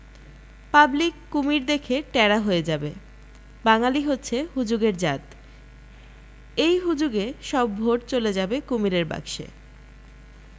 public কুমীর দেখে ট্যারা হয়ে যাবে বাঙ্গালী হচ্ছে হুজুগের জাত এই হুজুগে সব ভোট চলে যাবে কুমীরের বাক্সে